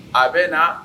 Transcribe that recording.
Amiina